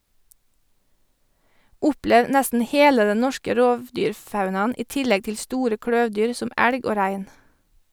Opplev nesten hele den norske rovdyrfaunaen i tillegg til store kløvdyr som elg og rein.